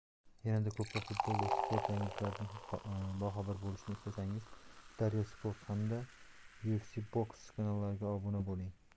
yanada ko'proq futbol va sport yangiliklaridan boxabar bo'lishni istasangiz daryo sport hamda ufcboxuz kanallariga obuna bo'ling